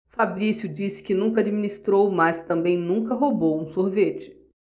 fabrício disse que nunca administrou mas também nunca roubou um sorvete